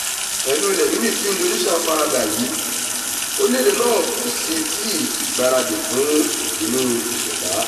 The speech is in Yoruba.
Pẹ̀lú ilẹ̀ mímí tí Indonesia ń faradà yii, orílẹ̀-èdè náà kò sì tíì gbaradì fún ìbínú ìṣẹ̀dá.